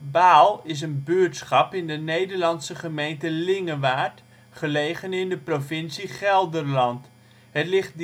Baal is een buurtschap in de Nederlandse gemeente Lingewaard, gelegen in de provincie Gelderland. Het ligt